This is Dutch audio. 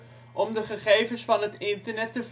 om de gegevens van het internet te " filteren